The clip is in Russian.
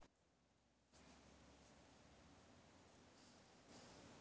говорим говорим